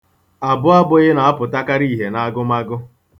Abụabụghị na-apụtakarị ihe n'agụmagụ.